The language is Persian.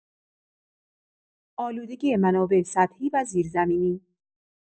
آلودگی منابع سطحی و زیرزمینی